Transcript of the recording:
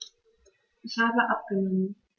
Ich habe abgenommen.